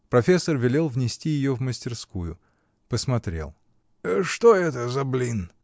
Профессор велел внести ее в мастерскую, посмотрел. — Что это за блин?